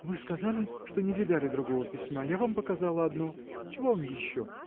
— Вы сказали, что не видали другого письма: я вам показала одно. Чего вам еще?